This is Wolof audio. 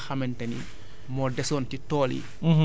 yi nga xamante ni moo desoon ci tool yi